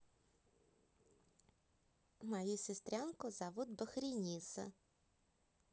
мою сестренку зовут бахринисо